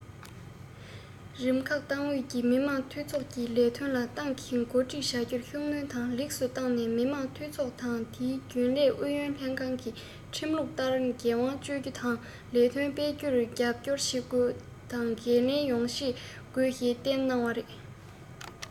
རིམ ཁག ཏང ཨུད ཀྱིས མི དམངས འཐུས ཚོགས ཀྱི ལས དོན ལ ཏང གིས འགོ ཁྲིད བྱ རྒྱུར ཤུགས སྣོན དང ལེགས སུ བཏང ནས མི དམངས འཐུས ཚོགས དང དེའི རྒྱུན ལས ཨུ ཡོན ལྷན ཁང གིས ཁྲིམས ལུགས ལྟར འགན དབང སྤྱོད རྒྱུ དང ལས དོན སྤེལ རྒྱུར རྒྱབ སྐྱོར བྱེད དགོས ལ འགན ལེན ཡང བྱེད དགོས ཞེས བསྟན གནང བ རེད